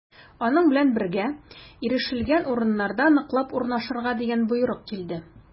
Аның белән бергә ирешелгән урыннарда ныклап урнашырга дигән боерык килде.